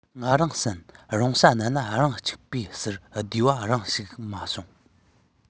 ང རང བསམ རུང བྱ རྣམས ལ རང གཅིག པོས ཟེར བདེ བ རང ཞིག མ བྱུང